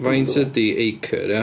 Faint ydy acre, ia?